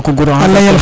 Mbako Gur